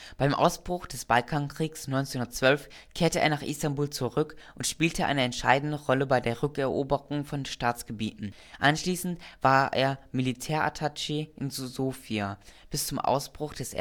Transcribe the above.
Beim Ausbruch des Balkankriegs 1912 kehrte er nach Istanbul zurück und spielte eine entscheidende Rolle bei der Rückeroberung von Staatsgebieten. Anschließend war er Militärattaché in Sofia bis zum Ausbruch des ersten